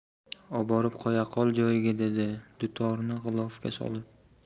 oborib qo'ya qol joyiga dedi dutorni g'ilofga solib